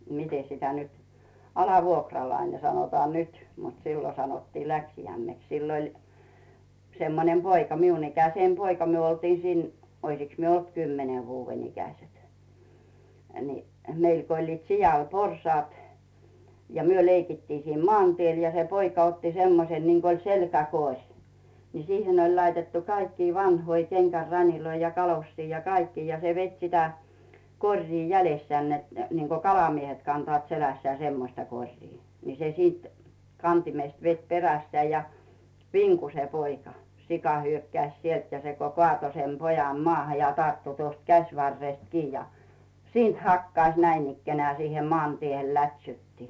miten sitä nyt alivuokralainen sanotaan nyt mutta silloin sanottiin läksijäimeksi sillä oli semmoinen poika minun ikäinen poika me oltiin siinä olisikos me ollut kymmenen vuoden ikäiset niin meillä kun olivat sialla porsaat ja me leikittiin siinä maantiellä ja se poika otti semmoisen niin kuin oli selkäkori niin siihen oli laitettu kaikkia vanhoja kengän raniloita ja kalosseja ja kaikkia ja se veti sitä koria jäljessään että niin kuin kalamiehet kantavat selässään semmoista koria niin se sitten kantimesta veti perässään ja vinkui se poika sika hyökkäsi sieltä ja se kun kaatoi sen pojan maahan ja tarttui tuosta käsivarresta kiinni ja siitä hakkasi näinikään siihen maantiehen lätsytti